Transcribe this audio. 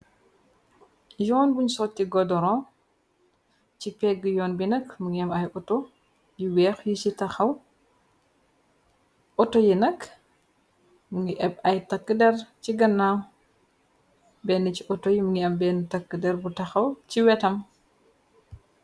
Yuun buñg sooti godoron ci pégg yoon bi nakk mogi am ay auto yu wéex yi ci taxaw auto yi nakk mogi eb ay takk dar ci ganaaw bénn ci auto yi mogi am bena taka der bu taxaw ci wetam.